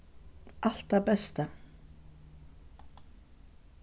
alt tað besta